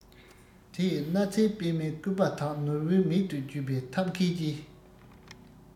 དེ ཡི སྣ རྩེའི པདྨའི སྐུད པ དག ནོར བུའི མིག ཏུ བརྒྱུས པའི ཐབས མཁས ཀྱིས